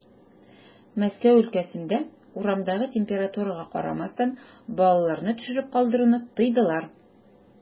Мәскәү өлкәсендә, урамдагы температурага карамастан, балаларны төшереп калдыруны тыйдылар.